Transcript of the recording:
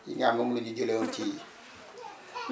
yii ñaar moom la ñu jëlee woon ci